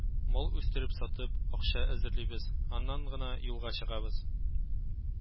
Мал үстереп сатып, акча әзерлибез, аннан гына юлга чыгабыз